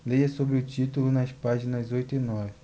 leia sobre o título nas páginas oito e nove